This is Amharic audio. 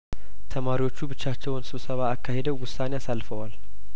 ተማሪዎቹ ብቻቸውን ስብሰባ አካሂደው ውሳኔ አሳልፈዋል